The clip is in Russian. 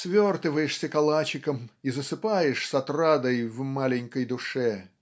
свертываешься калачиком и засыпаешь с отрадой в маленькой душе".